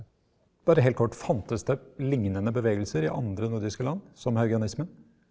bare helt kort fantes det lignende bevegelser i andre nordiske land som haugianismen?